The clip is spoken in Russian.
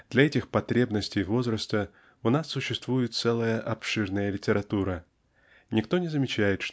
-- для этих потребностей возраста у нас существует целая обширная литература. Никто не замечает